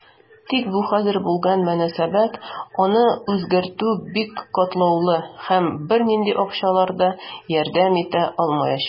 Тик бу хәзер булган мөнәсәбәт, аны үзгәртү бик катлаулы, һәм бернинди акчалар да ярдәм итә алмаячак.